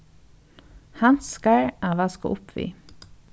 handskar at vaska upp við